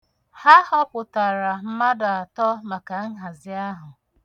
Ha họpụtara mmadụ atọ maka nhazi ahụ.